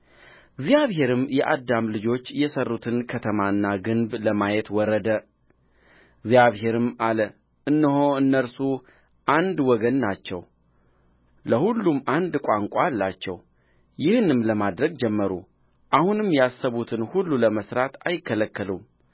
እግዚአብሔርም የአዳም ልጆች የሠሩትን ከተማና ግንብ ለማየት ወረደ እግዚአብሔርም አለ እነሆ እነርሱ አንድ ወገን ናቸው ለሁሉም አንድ ቋንቋ አላቸው ይህንም ለማድረግ ጀመሩ አሁንም ያሰቡትን ሁሉ ለመሥራት አይከለከሉም